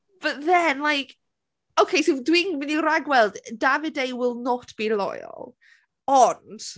But then, like OK, so dwi'n mynd i ragweld, yy Davide will not be loyal. Ond...